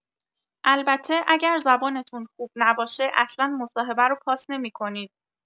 البته اگر زبانتون خوب نباشه اصلا مصاحبه رو پاس نمی‌کنید.